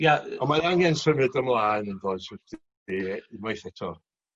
Ia yy... Ond mae angen symud ymlaen yndoes <aneglur unwaith eto.